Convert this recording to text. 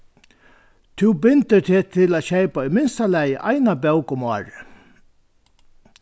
tú bindur teg til at keypa í minsta lagi eina bók um árið